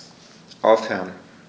Aufhören.